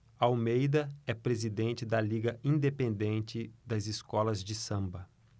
almeida é presidente da liga independente das escolas de samba